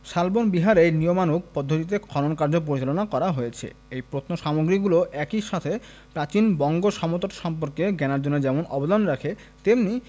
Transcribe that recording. শালবন বিহারেই নিয়মানুগ পদ্ধতিতে খননকার্য পরিচালনা করা হয়েছে এই প্রত্নসামগ্রীগুলি একই সাথে প্রাচীন বঙ্গ সমতট সম্পর্কে জ্ঞানার্জনে যেমন অবদান রাখে তেমনি